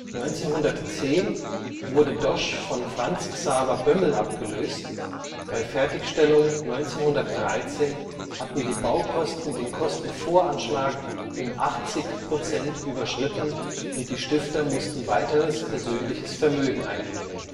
1910 wurde Dosch von Franz Xaver Boemmel abgelöst, bei Fertigstellung 1913 hatten die Baukosten den Kostenvoranschlag um 80 Prozent überschritten und die Stifter mussten weiteres persönliches Vermögen einbringen